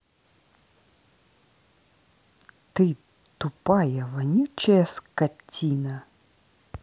ты тупая вонючая скотина